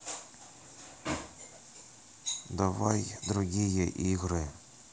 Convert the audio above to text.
давай другие игры